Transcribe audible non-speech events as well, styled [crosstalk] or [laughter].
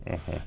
[hesitation] [hesitation]